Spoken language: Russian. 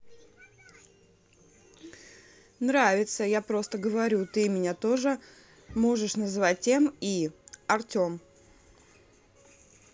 нравится я просто говорю ты меня можешь называть тем и артем